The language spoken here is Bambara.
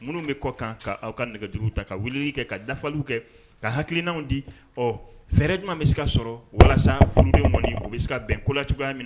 Minnu bɛ kɔ ka aw ka nɛgɛjuru ta ka weleli kɛ, ka dafaliw kɛ, ka hakilinaw di, ɔ fɛrɛ jumɛn bɛ se ka sɔrɔ walasa furudenw kɔnni u bɛ se ka bɛn ko la cogoya min